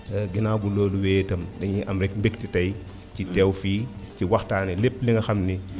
ginnaaw bu loolu wéyee itam dañuy ànd ak mbégte tey ci teew fii ci waxtaanee lépp li nga xam ni